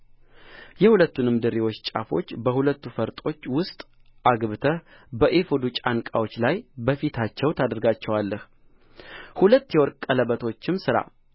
የሁለቱንም ድሪዎች ጫፎች በሁለቱ ፈርጦች ውስጥ አግብተህ በኤፉዱ ጫንቃዎች ላይ በፊታቸው ታደርጋቸዋለህ ሁለት የወርቅ ቀለበቶችም ሥራ